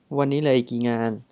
วันนี้เหลืออีกกี่งาน